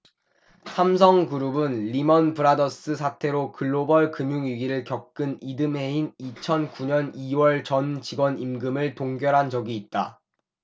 삼성그룹은 리먼브라더스 사태로 글로벌 금융위기를 겪은 이듬해인 이천 구 년 이 월 전 직원 임금을 동결한 적이 있다